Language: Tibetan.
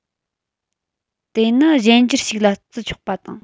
དེ ནི གཞན འགྱུར ཞིག ལ བརྩི ཆོག པ དང